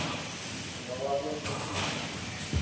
новогодний фильм